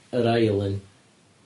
Yr ail un.